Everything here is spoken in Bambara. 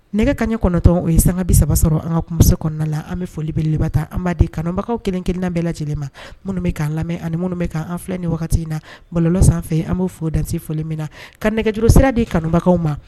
Nɛgɛ ka ɲɛ kɔnɔ9 o ye san bi saba sɔrɔ an ka kun kɔnɔna la an bɛ folibeleba tan an b'a di kanubagaw kelen-kelenina bɛɛ lajɛ lajɛlen ma minnu bɛ' an lamɛn ani minnu bɛ kan filɛ ni wagati in na balolɔ sanfɛ an b bɛo fɔ dan foli min na ka nɛgɛjuru sira di kanubagaw ma